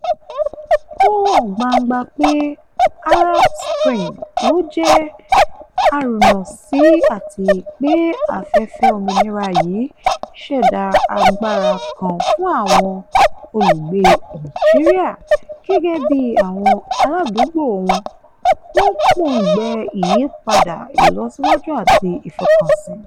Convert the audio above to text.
Ó hàn gbangba pé Arab Spring ló jẹ́ arúnásí àti pé afẹ́fẹ́ òmìnira yìí ṣẹ̀dá agbára kan fún àwọn olùgbé Algeria, gẹ́gẹ́ bí àwọn aládùúgbò wọn, wọ́n ń pòǹgbẹ ìyípadà, ìlọsíwájú àti ìfọkànsìn.